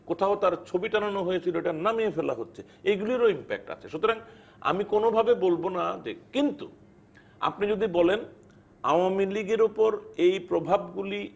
কোথাও তার ছবি টানানো হয়েছিল এটা নামিয়ে ফেলা হচ্ছে এগুলোর ইম্প্যাক্ট আছে সুতরাং আমি কোনো ভাবে বলবো না যে কিন্তু আপনি যদি বলেন আওয়ামী লীগ এর উপর এই প্রভাব গুলি